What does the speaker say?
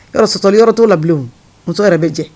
Yɔrɔ sɔsɔli yɔrɔ t'o la bilen o,muso yɛrɛ bɛ jɛ.